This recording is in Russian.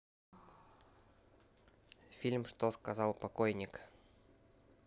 фильм что сказал покойник